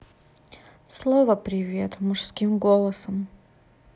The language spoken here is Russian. слово привет мужским голосом